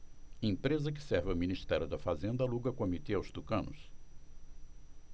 empresa que serve ao ministério da fazenda aluga comitê aos tucanos